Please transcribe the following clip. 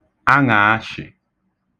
aṅàashị̀